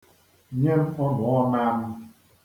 Nye m ọnụ̀ọọnaa m.